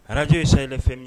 Arajo ye sa ye fɛn ye